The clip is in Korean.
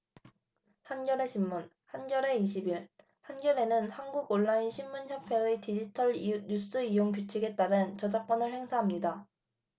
한겨레신문 한겨레 이십 일 한겨레는 한국온라인신문협회의 디지털뉴스이용규칙에 따른 저작권을 행사합니다